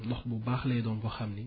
ndox bu baax lay doon boo xam ne